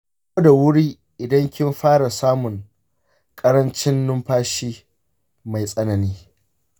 ki dawo da wuri idan kin fara samun ƙarancin numfashi mai tsanani.